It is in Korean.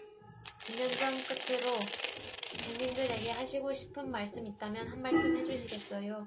김현정 끝으로 국민들에게 하시고 싶은 말씀 있다면 한 말씀 해주시겠어요